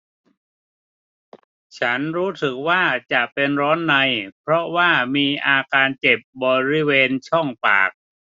ฉันรู้สึกว่าจะเป็นร้อนในเพราะว่ามีอาการเจ็บบริเวณช่องปาก